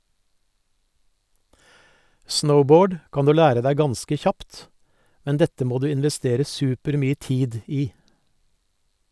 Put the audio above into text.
Snowboard kan du lære deg ganske kjapt, men dette må du investere supermye tid i.